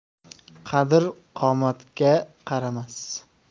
qadr qomatga qaramas